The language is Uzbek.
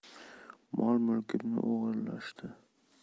mol mulkimni o'g'irlashdi